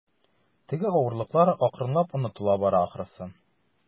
Теге авырлыклар акрынлап онытыла бара, ахрысы.